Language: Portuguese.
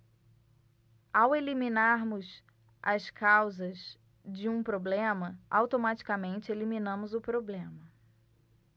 ao eliminarmos as causas de um problema automaticamente eliminamos o problema